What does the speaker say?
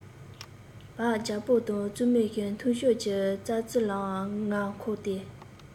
བར རྒྱལ པོ དང བཙུན མོའི མཐུན སྦྱོར གྱི སྦྱར རྩི ལའང ང མཁོ སྟེ